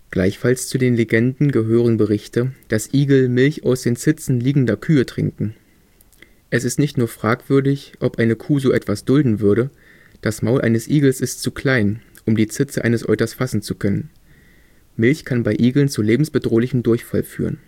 Gleichfalls zu den Legenden gehören Berichte, dass Igel Milch aus den Zitzen liegender Kühe trinken. Es ist nicht nur fragwürdig, ob eine Kuh so etwas dulden würde. Das Maul eines Igels ist zu klein, um die Zitze eines Euters fassen zu können. Milch kann bei Igeln zu lebensbedrohlichem Durchfall führen